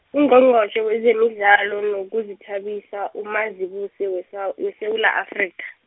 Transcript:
Ungqongqotjhe wezemidlalo nokuzithabisa uMazibuse wesaw- weSewula Afrika.